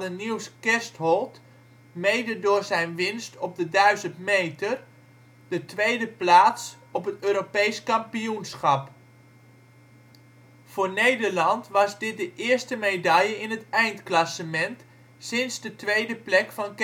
Niels Kerstholt, mede door zijn winst op de 1000 meter, de tweede plaats op het Europees kampioenschap. Voor Nederland was dit de eerste medaille in het eindklassement sinds de tweede plek van